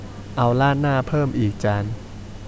เอาราดหน้าเพิ่มอีกจาน